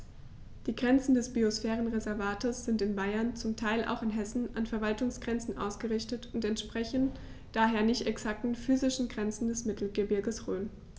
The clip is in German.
Die Grenzen des Biosphärenreservates sind in Bayern, zum Teil auch in Hessen, an Verwaltungsgrenzen ausgerichtet und entsprechen daher nicht exakten physischen Grenzen des Mittelgebirges Rhön.